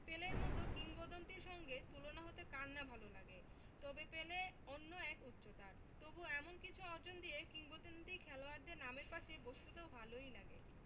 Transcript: পেলের মতো কিংবদন্তির সঙ্গে তুলনা হতে কার না ভালো লাগে তবে পেলে অন্য এক উচ্চতার তবু এমন কিছু অর্জন দিয়ে কিংবদন্তি খেলোয়াড়দের নামের পাশে বসতে তো ভালোই লাগে